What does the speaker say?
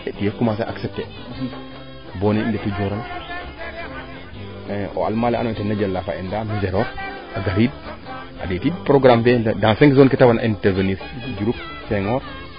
de commencer accepter bo neene i ndokiin Allemand la ando naye tena jala fo ENDA a gariid a ndetiid programme fe dans cinq zone ke te warna intervenir Diouroup Senghor